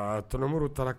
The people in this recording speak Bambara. Aa tonton Moro taara k